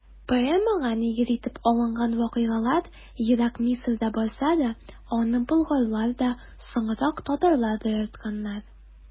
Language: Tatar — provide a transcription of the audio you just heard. Поэмага нигез итеп алынган вакыйгалар ерак Мисырда барса да, аны болгарлар да, соңрак татарлар да яратканнар.